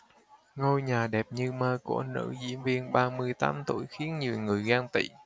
ngôi nhà đẹp như mơ của nữ diễn viên ba mươi tám tuổi khiến nhiều người ghen tỵ